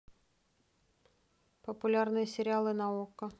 популярные сериалы на окко